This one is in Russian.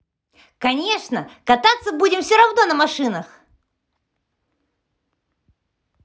конечно кататься будем все равно на машинах